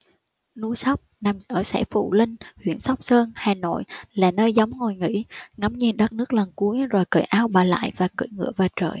núi sóc nằm ở xã phù linh huyện sóc sơn hà nội là nơi gióng ngồi nghỉ ngắm nhìn đất nước lần cuối rồi cởi áo bỏ lại và cưỡi ngựa về trời